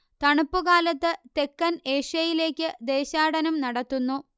തണുപ്പുകാലത്ത് തെക്കൻ ഏഷ്യയിലേക്ക് ദേശാടനം നടത്തുന്നു